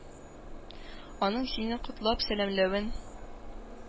Аның сине котлап сәламләвен,